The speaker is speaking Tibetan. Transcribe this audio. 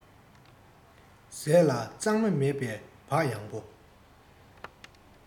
ཟས ལ གཙང སྨེ མེད པའི བག ཡངས པོ